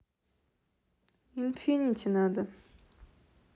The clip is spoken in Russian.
инфинити надо